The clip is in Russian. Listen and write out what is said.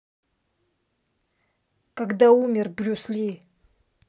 когда умер брюс ли